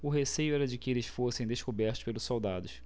o receio era de que eles fossem descobertos pelos soldados